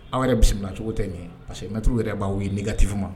Aw yɛrɛ bisimila cogo tɛ ɲɛ parce que mɛtu yɛrɛ b'aw ye nɛgɛigatifin ma